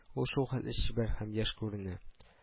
Ул шулхәтле чибәр һәм яшь күренә